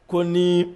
Ko ni